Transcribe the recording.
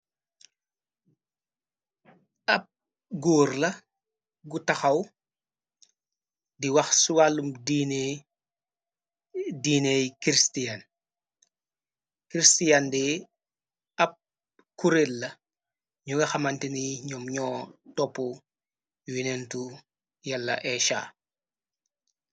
Ab góur la gu taxaw di wax suwàllum diineey christian christian de ab kurel la ño nga xamanti ni ñoom ñoo topp yunentu yala esa.